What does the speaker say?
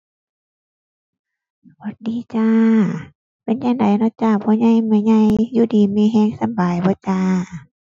หวัดดีจ้า เป็นจั่งใดน้อจ้า พ่อใหญ่ แม่ใหญ่ อยู่ดีมีแรง สำบายบ่จ้า